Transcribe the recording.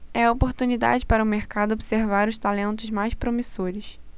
é a oportunidade para o mercado observar os talentos mais promissores